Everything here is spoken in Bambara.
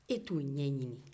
e tɛ o ɲɛɲini